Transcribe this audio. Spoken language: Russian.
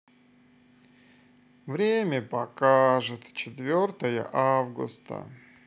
время покажет четвертое августа